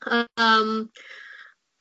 a yym